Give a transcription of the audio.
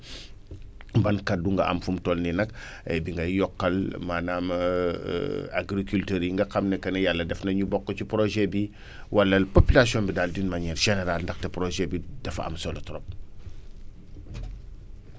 ban kàddu nga am fu mu toll nii nag di ngay yokkal maanaam agriculteurs yi nga xam ne que ne yàlla def na ñu bokk ci projet bi wala population bi daal d' une manière générale ndaxte projet bi dafa am solo trop